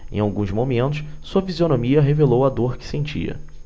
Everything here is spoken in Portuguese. em alguns momentos sua fisionomia revelou a dor que sentia